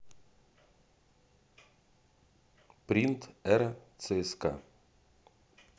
принт эра цска